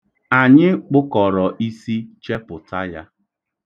Anyị kpụkọrọ isi chepụta ya.